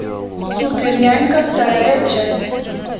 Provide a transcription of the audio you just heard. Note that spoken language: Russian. супер нянька вторая часть